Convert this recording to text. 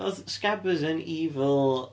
Oedd Scabbers yn evil...